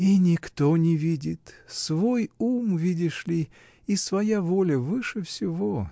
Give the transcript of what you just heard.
— И никто не видит: свой ум, видишь ли, и своя воля выше всего!